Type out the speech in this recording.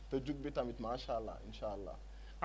te jug bi tamit macha allah macha allah